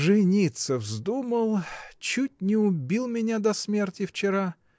— Жениться вздумал: чуть не убил меня до смерти вчера!